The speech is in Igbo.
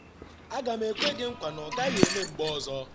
A ga m ekwe gị nkwa na ọ gaghị eme mgbe ọzọ.